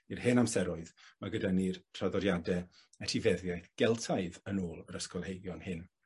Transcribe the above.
i'r hen amseroedd ma' gyda ni'r traddodiade etifeddiaeth Geltaidd yn ôl yr ysgolheigion hyn.